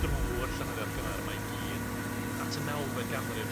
drw'r llenyddiaeth gynnar ma' i gyd. Hmm. At y nawfed ganrif.